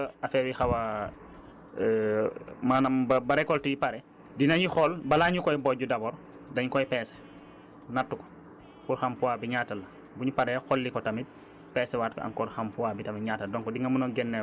donc bu demee ba affaires xaw a maanaam ba ba récoltes yi pare dinañu xool balaa ñu koy bojj d' abord dañ koy peese natt ko pour xam poids bi ñaata la bu ñu paree xolli ko tamit pessewaat ko encore xam poids bi tamit ñaata la